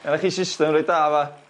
Gynnach chi system reit da f'a.